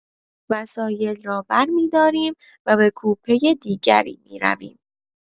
وسایل را برمی‌داریم و به کوپه دیگری می‌رویم.